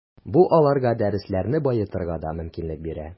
Бу аларга дәресләрне баетырга да мөмкинлек бирә.